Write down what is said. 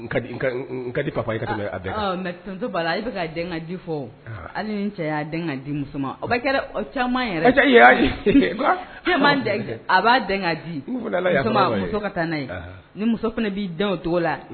Ka di pa i mɛ'a ale bɛka ka d di fɔ hali ni cɛ y'a di muso o kɛra o caman yɛrɛ e' a b'a di muso ka taa n'a ye ni muso fana b'i den o cogo la